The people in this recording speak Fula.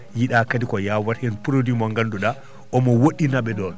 yiiɗa kadi ko waatheen produit mo ngannduɗaa omo woɗɗinaɓe ɗon